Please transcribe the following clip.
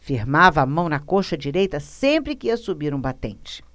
firmava a mão na coxa direita sempre que ia subir um batente